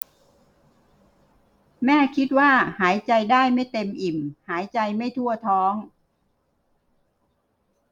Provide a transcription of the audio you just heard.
แม่คิดว่าหายใจได้ไม่เต็มอิ่มหายใจไม่ทั่วท้อง